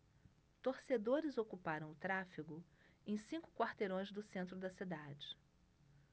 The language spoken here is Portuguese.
torcedores ocuparam o tráfego em cinco quarteirões do centro da cidade